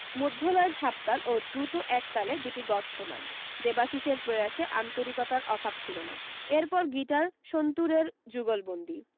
মধ্যলয় ঝাঁপতাল ও দ্রুত একতালে দুটি গত শোনান দেবাশিসের প্রয়াসে আন্তরিকতার অভাব ছিল না এর পর গিটার সন্তুরের যুগলবন্দি